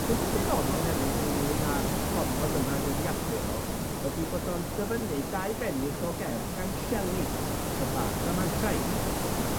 Be' sy'n ddiddorol hefyd ynglŷn â'r cofnod yna o'i ddyddiadur o ydi bod o'n dyfynnu dau bennill o gerdd gan Shelley, y bardd rhamantau.